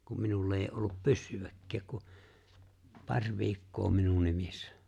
kun minulla ei ole ollut pyssyäkään kuin pari viikkoa minun nimissä